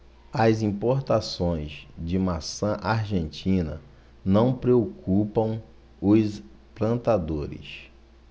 as importações de maçã argentina não preocupam os plantadores